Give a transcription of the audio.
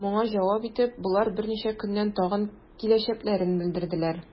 Моңа җавап итеп, болар берничә көннән тагын киләчәкләрен белдерделәр.